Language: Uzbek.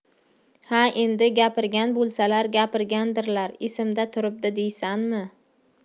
ha endi gapirgan bo'lsalar gapirgandirlar esimda turibdi deysanmi